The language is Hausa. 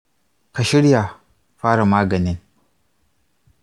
ka shirya fara maganin?